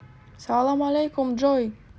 салам алейкум джой